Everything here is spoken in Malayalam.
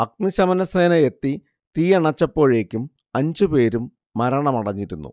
അഗ്നിശമന സേന എത്തി തീ അണച്ചപ്പോഴേക്കും അഞ്ചുപേരും മരണമടഞ്ഞിരുന്നു